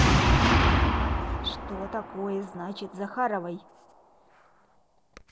что такое значит захаровой